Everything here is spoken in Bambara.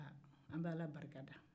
aa an b'ala barikada